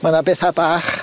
Ma' na betha bach.